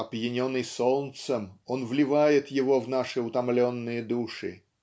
Опьяненный солнцем, он вливает его в наши утомленные души.